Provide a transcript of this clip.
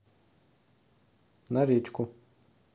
на речку